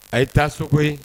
A' ye taa so